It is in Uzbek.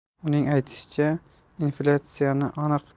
uning aytishicha inflyatsiyani aniq